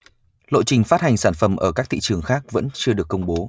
lộ trình phát hành sản phẩm ở các thị trường khác vẫn chưa được công bố